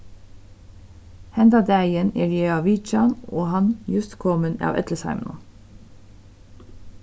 hendan dagin eg eri á vitjan og hann júst komin av ellisheiminum